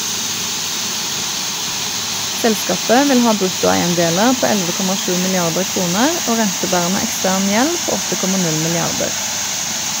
Selskapet vil ha bruttoeiendeler på 11,7 milliarder kroner og rentebærende ekstern gjeld på 8,0 milliarder.